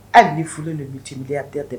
Hali n'i furulen do multimilliardaire de ma